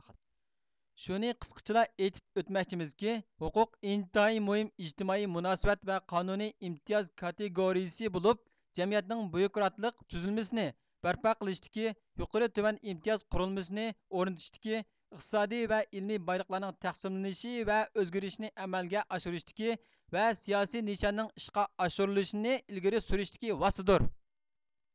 شۇنى قىسقىچىلا ئېيتىپ ئۆتمەكچىمىزكى ھوقۇق ئىنتايىن مۇھىم ئىجتىمائىي مۇناسىۋەت ۋە قانۇنىي ئىمتىياز كاتېگورىيىسى بولۇپ جەمئىيەتنىڭ بيۇروكراتلىق تۈزۈلمىسىنى بەرپا قىلىشتىكى يۇقىرى تۆۋەن ئىمتىياز قۇرۇلمىسىنى ئورنىتىشتىكى ئىقتىسادىي ۋە ئىلمىي بايلىقلارنىڭ تەقسىملىنىشى ۋە ئۆزگىرىشىنى ئەمەلگە ئاشۇرۇشتىكى ۋە سىياسىي نىشاننىڭ ئىشقا ئاشۇرۇلۇشىنى ئىلگىرى سۈرۈشتىكى ۋاسىتىدۇر